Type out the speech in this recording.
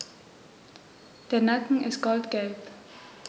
Der Nacken ist goldgelb.